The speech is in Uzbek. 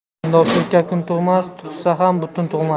kundoshlikka kun tug'mas tug'sa ham butun tug'mas